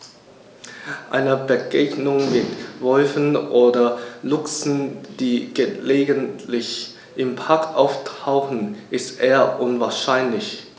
Eine Begegnung mit Wölfen oder Luchsen, die gelegentlich im Park auftauchen, ist eher unwahrscheinlich.